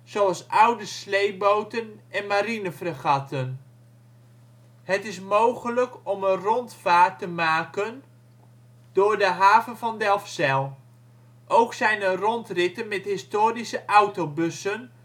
zoals oude sleepboten en marine fregatten. Het is mogelijk om een rondvaart te maken door de haven van Delfzijl. Ook zijn er rondritten met historische autobussen